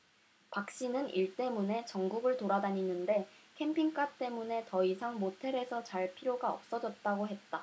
박씨는 일 때문에 전국을 돌아다니는데 캠핑카 때문에 더 이상 모텔에서 잘 필요가 없어졌다고 했다